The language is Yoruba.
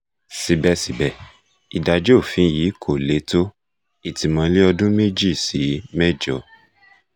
Síbẹ̀síbẹ̀, ìdájọ́ òfin yìí kò le tó, ìtìmọ́lé ọdún méjì sí mẹ́jọ.